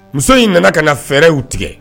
Muso in nana ka na fɛɛrɛw tigɛ